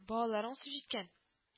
Балаларың үсеп җиткән